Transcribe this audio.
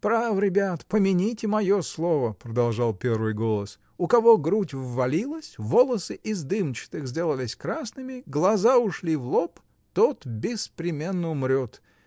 — Право, ребята, помяните мое слово, — продолжал первый голос, — у кого грудь ввалилась, волосы из дымчатых сделались красными, глаза ушли в лоб, — тот беспременно умрет.